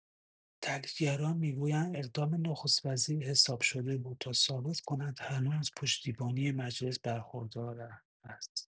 تحلیل‌گران می‌گویند اقدام نخست‌وزیر حساب‌شده بود تا ثابت کند هنوز پشتیبانی مجلس برخوردار است.